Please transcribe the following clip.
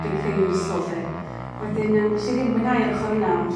big thing yr ysgol 'lly. Wedyn yym 'nes i ddim mwynhau ar ochor yna o...